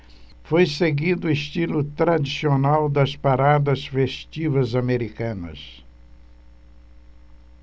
foi seguido o estilo tradicional das paradas festivas americanas